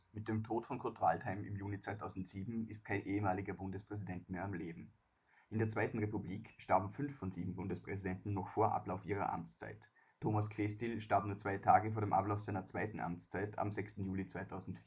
Mit dem Tod von Kurt Waldheim im Juni 2007 ist kein ehemaliger Bundespräsident mehr am Leben. In der Zweiten Republik starben fünf von sieben Bundespräsidenten noch vor Ablauf ihrer Amtszeit. Thomas Klestil starb nur zwei Tage vor dem Ablauf seiner zweiten Amtszeit am 6. Juli 2004